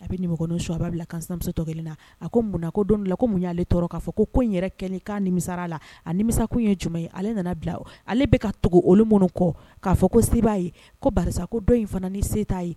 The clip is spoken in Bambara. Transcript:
A bɛ su b'a bila kanmusotɔ kelen na a ko mun ko don la ko mun y'ale tɔɔrɔ k'a fɔ ko n yɛrɛ kɛ k'a nimisa la amisakun ye jumɛn ye ale nana bila ale bɛka ka tugu olu minnu kɔ k'a fɔ ko se'a ye ko ko dɔ in fana ni se t'a ye